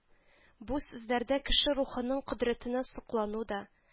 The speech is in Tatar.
Бу сүзләрдә кеше рухының кодрәтенә соклану да